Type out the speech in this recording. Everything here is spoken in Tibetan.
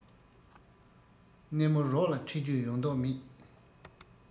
གནས མོ རོགས ལ ཁྲིད རྒྱུ ཡོད མདོག མེད